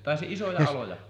taisi isoja aloja olla